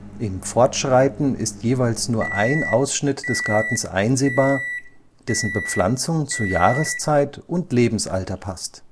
Im Fortschreiten ist jeweils nur ein Ausschnitt des Gartens einsehbar, dessen Bepflanzung zu Jahreszeit und Lebensalter passt